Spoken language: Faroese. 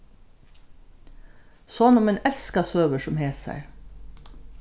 sonur mín elskar søgur sum hesar